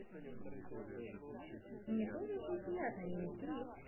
мне тоже очень приятно меня кирилл